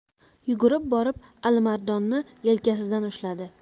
yugurib borib alimardonni yelkasidan ushladi